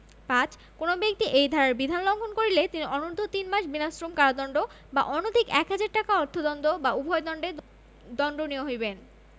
৫ কোন ব্যক্তি এই ধারার বিধান লংঘন করিলে তিনি অনুর্ধ্ব তিনমাস বিনাশ্রম কারদন্ড বা অনধিক এক হাজার টাকা অর্থদন্ড বা উভয় দন্ডে দন্ডনীয় হইবেন